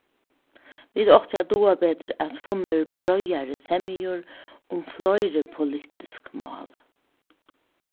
vit áttu at dugað betur at funnið breiðari semjur um fleiri politisk mál